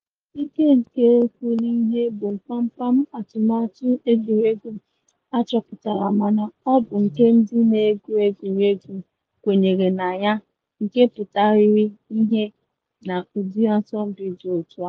Ike nke nkuli ihe bụ kpamkpam atụmatụ egwuregwu achọpụtara mana ọ bụ nke ndị na-egwu egwuregwu kwenyere na ya, nke pụtakarịrị ihie na ụdị asompi dị otu a.